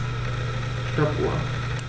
Stoppuhr.